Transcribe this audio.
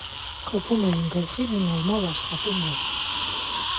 Խփում էիր գլխին ու նորմալ աշխատում էր։